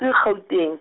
ke Gauteng.